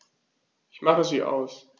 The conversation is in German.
Ich mache sie aus.